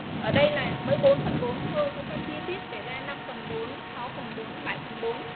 ở đây này mới thôi chúng ta chia tiết kể ra phần phần phần